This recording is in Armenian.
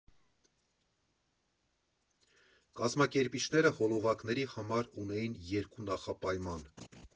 Կազմակերպիչները հոլովակների համար ունեին երկու նախապայման.